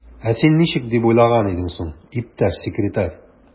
Ә син ничек дип уйлаган идең соң, иптәш секретарь?